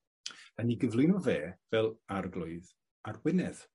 yn 'i gyflwyno fe fel arglwydd ar Gwynedd.